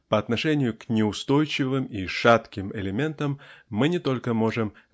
По отношению к неустойчивым и шатким элементам мы не только можем